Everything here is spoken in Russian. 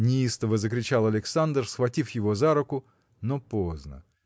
– неистово закричал Александр, схватив его за руку, но поздно